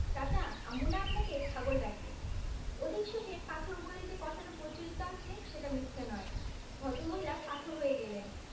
চাচা আম্মু না আপনাকে ছাগল ডাকে অধিক শোকে পাথর বলে যে কথাটা প্রচলিত আছে সেটা মিথ্যা নয় ভদ্র মহিলা পাথর হয়ে গেলেন